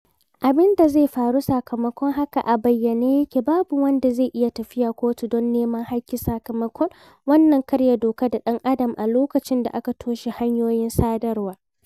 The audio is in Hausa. Abin da zai faru sakamakon haka a bayyane yake - babu wanda zai iya tafiya kotu don neman haƙƙi sakamakon wannan karya doka ta ɗan adam a lokacin da aka toshe hanyoyin sadarwar.